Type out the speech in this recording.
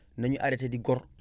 na ñu arrêté di gor